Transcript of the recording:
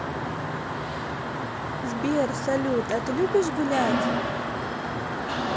сбер салют а ты любишь гулять